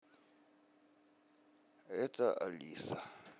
это алиса